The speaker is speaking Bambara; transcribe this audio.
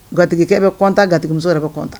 Gakɛ bɛtan gatigimuso yɛrɛ bɛ kɔntan